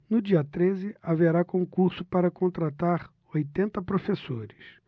no dia treze haverá concurso para contratar oitenta professores